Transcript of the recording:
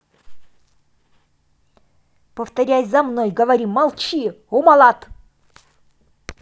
повторяй за мной говори молчи умалат